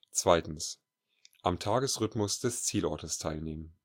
Zeitrhythmus zu gewöhnen Am Tagesrhythmus des Zielortes teilnehmen